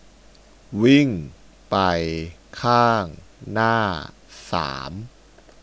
วิ่งไปข้างหน้าสาม